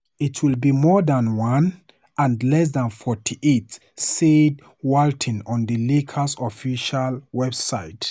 "It will be more than one and less than 48," said Walton on the Lakers" official website.